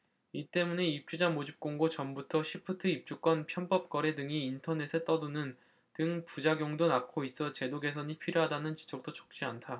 이 때문에 입주자 모집공고 전부터 시프트 입주권 편법 거래 등이 인터넷에 떠도는 등 부작용도 낳고 있어 제도 개선이 필요하다는 지적도 적지 않다